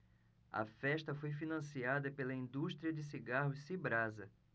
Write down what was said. a festa foi financiada pela indústria de cigarros cibrasa